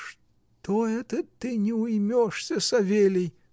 — Что это ты не уймешься, Савелий?